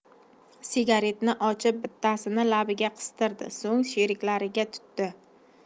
sigaretni ochib bittasini labiga qistirdi so'ng sheriklariga tutdi